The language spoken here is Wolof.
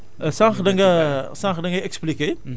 kooku moom koo kooku moom doo ci perte daal